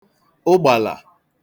ụgbàlà